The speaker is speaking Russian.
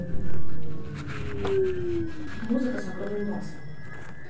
музыка с огромным басом